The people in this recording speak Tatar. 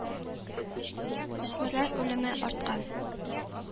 Үсмерләр үлеме арткан